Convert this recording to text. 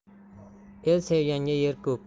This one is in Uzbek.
ei sevganga yer ko'p